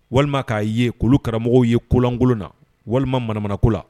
Walima k'a ye olukara ye kolankolon na walima manamana ko la